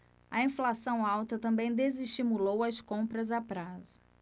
a inflação alta também desestimulou as compras a prazo